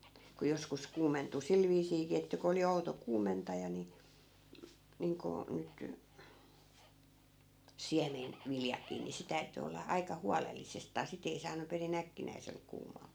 kun joskus kuumentui sillä viisiinkin että kun oli outo kuumentaja niin niin kuin nyt - siemenviljakin niin se täytyi olla aika huolellisestaan sitten ei saanut perin äkkinäisellä kuumaa